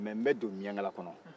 mɛ n bɛ don miyangala kɔnɔ